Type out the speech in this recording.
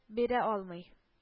Бирә алмый